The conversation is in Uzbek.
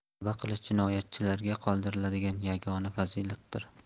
tavba qilish jinoyatchilarga qoldiriladigan yagona fazilatdir